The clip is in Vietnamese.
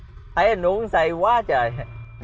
thấy anh uống say qua trời